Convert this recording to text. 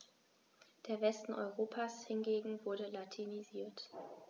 Der Westen Europas hingegen wurde latinisiert.